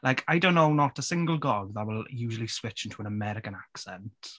Like, I don't know not a single gog that will usually switch into an American accent.